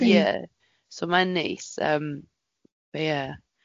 Ie so mae'n neis yym ie.